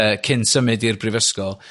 yy cyn symud i'r brifysgol